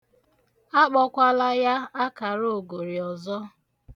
Akpọkwala ya akarogori ọzọ.